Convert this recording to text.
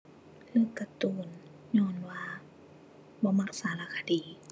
เลือกการ์ตูนญ้อนว่าบ่มักสารคดี